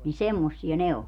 niin semmoisia ne on